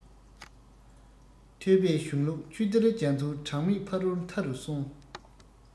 ཐོས པའི གཞུང ལུགས ཆུ གཏེར རྒྱ མཚོའི གྲངས མེད ཕ རོལ མཐའ རུ སོན